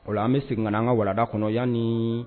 Ola an bɛ segin ka na an ka walanda kɔnɔ yanni